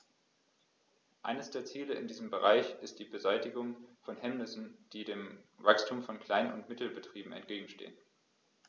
Eines der Ziele in diesem Bereich ist die Beseitigung von Hemmnissen, die dem Wachstum von Klein- und Mittelbetrieben entgegenstehen.